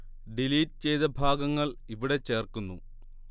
delete ചെയ്ത ഭാഗങ്ങൾ ഇവിടെ ചേർക്കുന്നു